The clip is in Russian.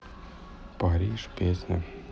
париж песня